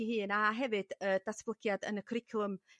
i hun a hefyd y datblygiad yn y cwricwlwm